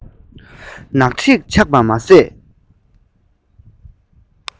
ནག དྲེག ཆགས པ མ ཟད